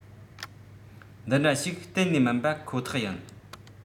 འདི འདྲ ཞིག གཏན ནས མིན པ ཁོ ཐག ཡིན